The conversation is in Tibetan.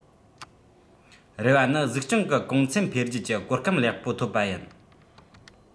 རེ བ ནི གཟིགས སྐྱོང གི གོང ཚད འཕེལ རྒྱས ཀྱི གོ སྐབས ལེགས པོ ཐོབ པ ཡིན